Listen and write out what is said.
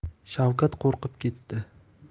shavkat qo'rqib ketdi